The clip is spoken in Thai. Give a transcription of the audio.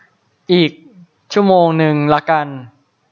อีกชั่วโมงนึงละกัน